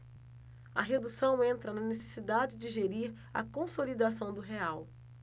a redução entra na necessidade de gerir a consolidação do real